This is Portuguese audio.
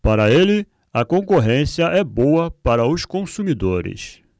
para ele a concorrência é boa para os consumidores